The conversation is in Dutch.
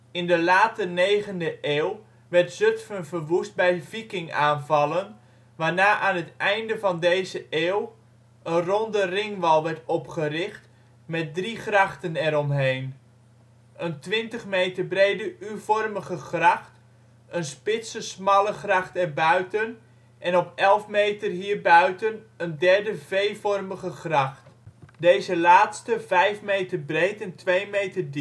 In de late 9e eeuw werd Zutphen verwoest bij vikingaanvallen, waarna aan het einde van die eeuw een ronde ringwal werd opgericht met drie grachten eromheen: een 20 meter brede U-vormige gracht, een spitse smalle gracht erbuiten en op 11 meter hierbuiten een derde V-vormige gracht, deze laatste 5 meter breed en 2 meter